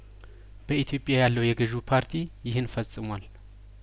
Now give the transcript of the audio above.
በኢትዮጵያ ያለው የገዢው ፓርቲ ይህን ፈጽሟል